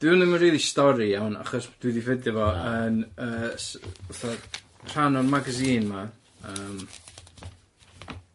Dyw 'wn ddim yn rili stori iawn achos dwi 'di ffeindio fo yn yy s- fatha rhan o'r magazine 'ma yym